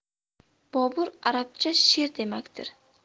bobur arabcha sher demakdir